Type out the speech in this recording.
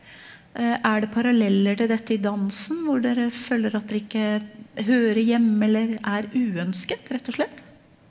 er det paralleller til dette til dansen hvor dere føler at dere ikke hører hjemme, eller er uønsket rett og slett?